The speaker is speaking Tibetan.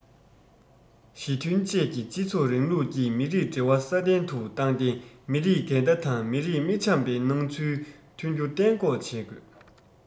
ཞི མཐུན བཅས ཀྱི སྤྱི ཚོགས རིང ལུགས ཀྱི མི རིགས འབྲེལ བ སྲ བརྟན དུ བཏང སྟེ མི རིགས འགལ ཟླ དང མི རིགས མི འཆམ པའི སྣང ཚུལ ཐོན རྒྱུ གཏན འགོག བྱེད དགོས